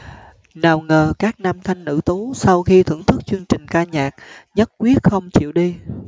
nào ngờ các nam thanh nữ tú sau khi thưởng thức chương trình ca nhạc nhất quyết không chịu đi